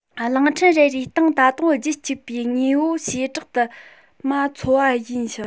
གླིང ཕྲན རེ རེའི སྟེང ད དུང རྒྱུད གཅིག པའི དངོས པོའི བྱེ བྲག དུ མ འཚོ བ ཡིན ཞིང